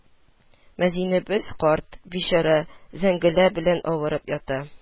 Мәзинебез карт; бичара зәңгелә белән авырып ята